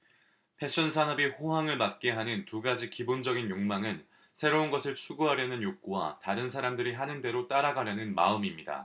패션 산업이 호황을 맞게 하는 두 가지 기본적인 욕망은 새로운 것을 추구하려는 욕구와 다른 사람들이 하는 대로 따라가려는 마음입니다